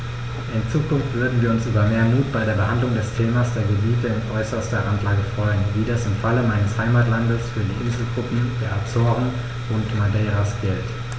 In Zukunft würden wir uns über mehr Mut bei der Behandlung des Themas der Gebiete in äußerster Randlage freuen, wie das im Fall meines Heimatlandes für die Inselgruppen der Azoren und Madeiras gilt.